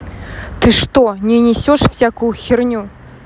ты что не несешь всякую херню